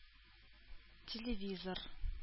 Телевизор